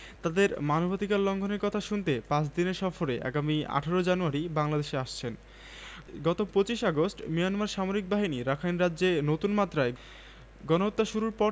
তাদের মানবাধিকার লঙ্ঘনের কথা শুনতে পাঁচ দিনের সফরে আগামী ১৮ জানুয়ারি বাংলাদেশে আসছেন গত ২৫ আগস্ট মিয়ানমার সামরিক বাহিনী রাখাইন রাজ্যে নতুন মাত্রায় গণহত্যা শুরুর পর